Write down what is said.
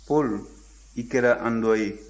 paul i kɛra an dɔ ye